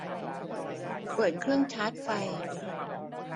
เปิดเครื่องชาร์จไฟ